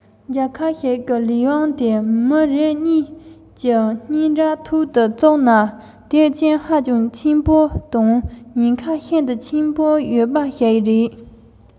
གནད དོན མ བྱུང ན སྐྱོན མེད